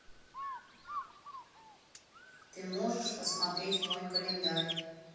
ты можешь посмотреть мой календарь